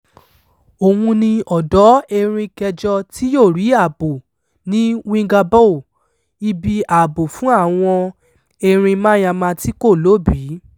Òhun ni ọ̀dọ̀ erin kẹjọ tí yóò rí ààbò ní Wingabaw, ibi ààbò fún àwọn erin Myanmar tí kò lóbìí.